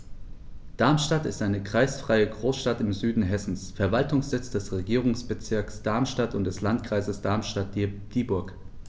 Darmstadt ist eine kreisfreie Großstadt im Süden Hessens, Verwaltungssitz des Regierungsbezirks Darmstadt und des Landkreises Darmstadt-Dieburg.